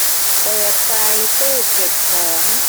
เปิดไฟตู้เก็บของ